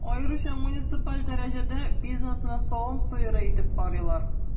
Аеруча муниципаль дәрәҗәдә бизнесны савым сыеры итеп карыйлар.